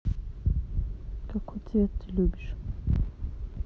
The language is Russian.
какой цвет ты любишь